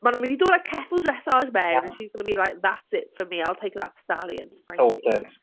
Ma' nhw'n mynd i dod a ceffyl dressage mewn, and she's going to be like "That's it for me, I'll take that stallion, thank you."... Sorted.